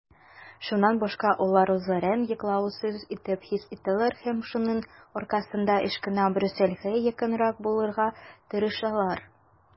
Шуннан башка алар үзләрен яклаусыз итеп хис итәләр һәм шуның аркасында еш кына Брюссельгә якынрак булырга тырышалар.